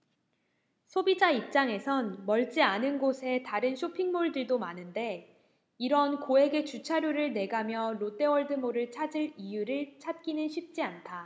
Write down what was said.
소비자 입장에선 멀지 않은 곳에 다른 쇼핑 몰들도 많은데 이런 고액의 주차료를 내가며 롯데월드몰을 찾을 이유를 찾기는 쉽지 않다